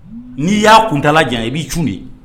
N'i y'a kun tala jan i b'i c de